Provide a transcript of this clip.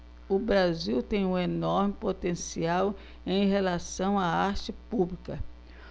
o brasil tem um enorme potencial em relação à arte pública